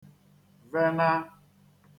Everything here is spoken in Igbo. venā